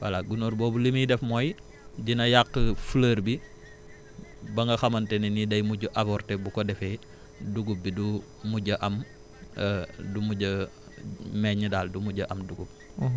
voilà gunóor boobu li muy def mooy dina yàq fleur bi ba nga xamante ne ni day mujj avorter bu ko defee dugub bi di mujj a am du mujj a meññ daal du mujj a am dugub